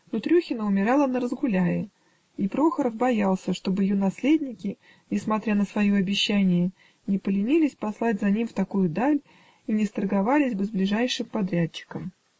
Но Трюхина умирала на Разгуляе, и Прохоров боялся, чтоб ее наследники, несмотря на свое обещание, не поленились послать за ним в такую даль и не сторговались бы с ближайшим подрядчиком.